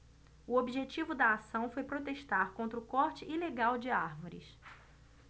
o objetivo da ação foi protestar contra o corte ilegal de árvores